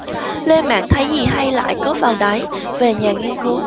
lên mạng thấy gì hay lại cóp vào đấy về nhà nghiên cứu